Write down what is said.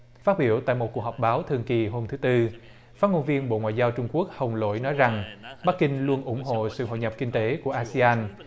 phát biểu tại một cuộc họp báo thường kỳ hôm thứ tư phát ngôn viên bộ ngoại giao trung quốc hồng lỗi nói rằng bắc kinh luôn ủng hộ sự hội nhập kinh tế của a si an